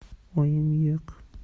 oyim yo'q